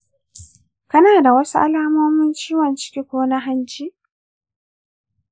kana da wasu alamun ciwon ciki ko na hanji?